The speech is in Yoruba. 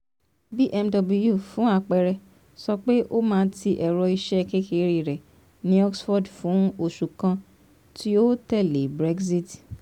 BMW, fún àpẹẹrẹ, sọ pé ò máa ti Ẹ̀rọ iṣẹ́ kékeré rẹ̀ ní Oxford fún oṣù kan tí ó tẹ̀lé Brexit.